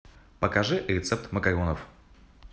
покажи рецепт макаронов